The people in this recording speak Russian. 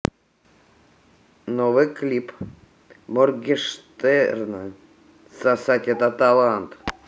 новый клип моргенштерна сосать этот талант